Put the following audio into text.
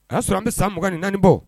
A y' sɔrɔ an bɛ san mugan ni naaniani bɔ